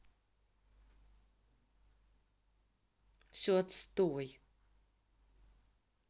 все отстой